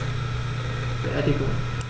Beerdigung